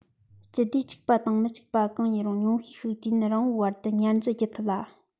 སྤྱི སྡེ གཅིག པ དང མི གཅིག པ གང ཡིན རུང ཉུང ཤས ཤིག དུས ཡུན རིང བོའི བར དུ ཉར འཛིན བགྱི ཐུབ ལ